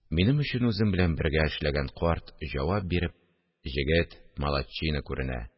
Минем өчен үзем белән бергә эшләгән карт җавап биреп: – Җегет малатчина күренә.